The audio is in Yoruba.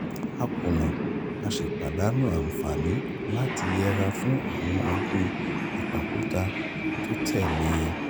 A kùnà, a sì pàdánù àǹfààní láti yẹra fún àwọn ọdún ìpakúpa tó tẹ̀ lé e.